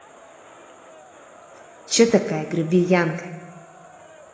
че такая грубиянка